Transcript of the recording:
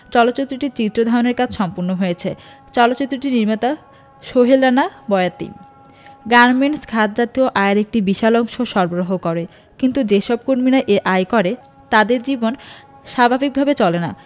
চলচ্চিত্রটির চিত্র ধারণের কাজ সম্পন্ন হয়েছে চলচ্চিত্রটির নির্মাতা সোহেল রানা বয়াতি গার্মেন্টস খাত জাতীয় আয়ের একটি বিশাল অংশ সরবারহ করে কিন্তু যেসব কর্মীরা এই আয় করে তাদের জীবন স্বাভাবিক ভাবে চলে না